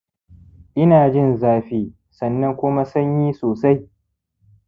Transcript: ina jin zafi sannan kuma sanyi sosai